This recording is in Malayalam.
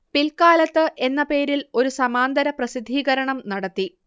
പിൽക്കാലത്ത് എന്ന പേരിൽ ഒരു സമാന്തര പ്രസിദ്ധീകരണം നടത്തി